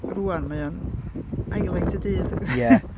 Rŵan mae o'n highlight y dydd... Ie